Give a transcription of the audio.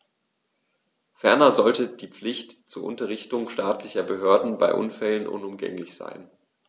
Ferner sollte die Pflicht zur Unterrichtung staatlicher Behörden bei Unfällen unumgänglich sein.